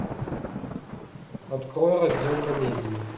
открой раздел комедии